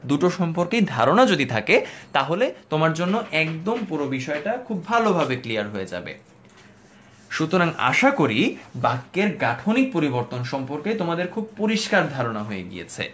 দুটো সম্পর্কে ধারণা যদি থাকে তাহলে তোমার জন্য একদম পুরো বিষয়টা ভালোভাবে ক্লিয়ার হয়ে যাবে সুতরাং আশা করি বাক্যের গাঠনিক পরিবর্তন সম্পর্কে তোমাদের খুব পরিষ্কার ধারণা হয়ে গিয়েছে